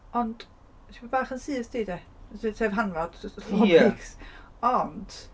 ond tamed bach yn syth 'di 'de. S- sef hanfod lôn... Ie... beics, ond...